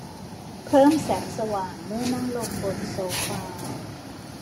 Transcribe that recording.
เพิ่มแสงสว่างเมื่อนั่งลงบนโซฟา